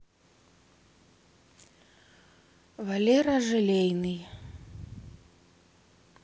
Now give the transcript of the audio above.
валера желейный